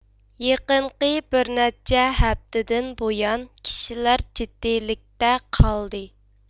يېقىنقى بىر نەچچە ھەپتىدىن بۇيان كىشىلەر جددىيلىكتە قالدى